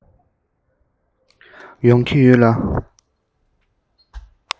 ཡོང གི ཡོད ལ